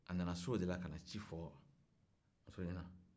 a nana so o de la kana ci fɔ muso ɲɛna